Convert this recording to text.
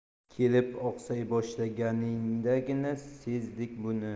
kelib oqsay boshlaganidagina sezdik buni